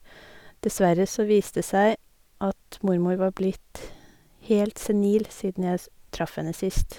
Dessverre så viste det seg at mormor var blitt helt senil siden jeg s traff henne sist.